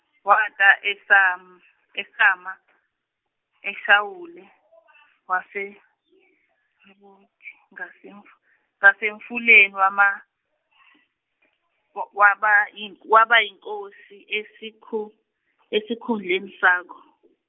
wata eSam- eSamla, eShawule wase , s ngasemfu- ngasemfuleni wama , wa- waba yink- waba yinkosi esikhu- esikhundleni sakho .